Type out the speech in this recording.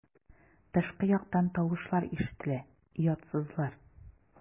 Тышкы яктан тавышлар ишетелә: "Оятсызлар!"